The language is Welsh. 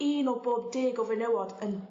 un o bob deg o fenywod yn